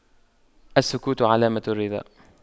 السكوت علامة الرضا